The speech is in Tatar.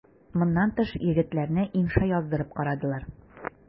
Моннан тыш егетләрне инша яздырып карадылар.